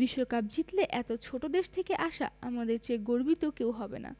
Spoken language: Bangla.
বিশ্বকাপ জিতলে এত ছোট্ট দেশ থেকে আসা আমাদের চেয়ে গর্বিত কেউ হবে না